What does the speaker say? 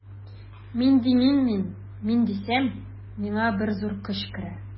Мин димен мин, мин дисәм, миңа бер зур көч керә.